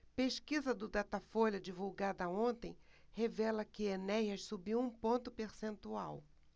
pesquisa do datafolha divulgada ontem revela que enéas subiu um ponto percentual